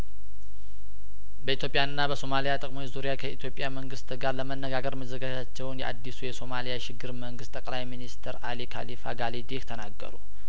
በኢትዮጵያ ና በሶማሊያ ጥቅሞች ዙሪያ ከኢትዮጵያ መንግስት ጋር ለመነጋገር መዘጋጀታቸውን የአዲሱ የሶማሊያ የሽግግር መንግስት ጠቅላይ ሚንስተር አሊካሊፋ ጋሌዲህ ተናገሩ